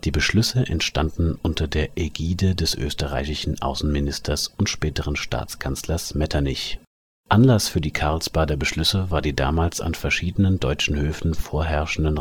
Beschlüsse entstanden unter der Ägide des österreichischen Außenministers und späteren Staatskanzlers Metternich. Anlass für die Karlsbader Beschlüsse war die damals an verschiedenen deutschen Höfen vorherrschende